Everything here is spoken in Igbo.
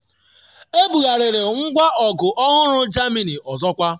Ebugharịrị ngwa ọgụ ọhụrụ Germany ọzọkwa